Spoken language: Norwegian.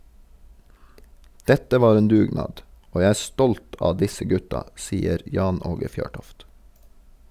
Dette var en dugnad, og jeg er stolt av disse gutta, sier Jan Åge Fjørtoft.